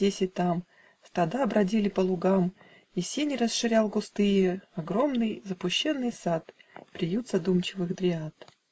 здесь и там Стада бродили по лугам, И сени расширял густые Огромный, запущенный сад, Приют задумчивых дриад.